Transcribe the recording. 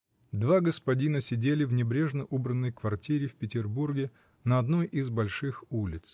Два господина сидели в небрежно убранной квартире в Петербурге, на одной из больших улиц.